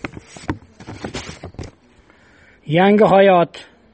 yangi hayot